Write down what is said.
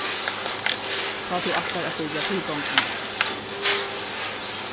tá tú ætlar at byrja tilgongdina